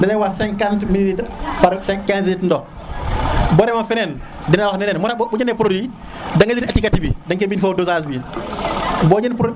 deley wax 50ml par 15 litres ndox bo demoon fenen deley wax bo jënde produit dengay lire etiquette bi deñ fey bind fofu dosage bi